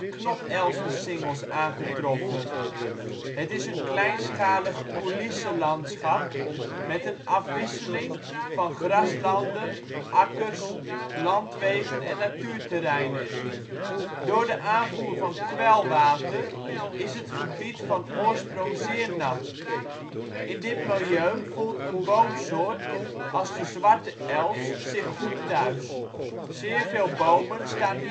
knotelzensingels aangetroffen. Het is een kleinschalig coulisselandschap met een afwisseling van graslanden, akkers, landwegen en natuurterreinen. Door de aanvoer van kwelwater is het gebied van oorsprong zeer nat. In dit milieu voelt een boomsoort als de zwarte els zich goed thuis. Zeer veel bomen staan